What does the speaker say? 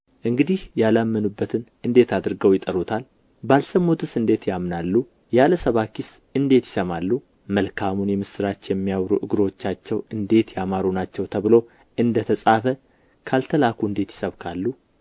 እንግዲህ ያላመኑበትን እንዴት አድርገው ይጠሩታል ባልሰሙትስ እንዴት ያምናሉ ያለ ሰባኪስ እንዴት ይሰማሉ መልካሙን የምሥራች የሚያወሩ እግሮቻቸው እንዴት ያማሩ ናቸው ተብሎ እንደ ተጻፈ ካልተላኩ እንዴት ይሰብካሉ